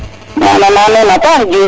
ñana nuun a paax Diouf